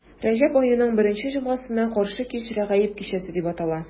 Рәҗәб аеның беренче җомгасына каршы кич Рәгаиб кичәсе дип атала.